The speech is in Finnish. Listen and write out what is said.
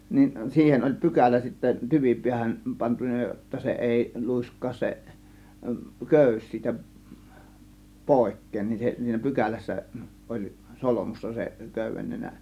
niin siihen oli pykälä sitten tyvipäähän pantu jotta se ei luiskahda se köysi siitä pois niin se siinä pykälässä oli solmussa se köydennenä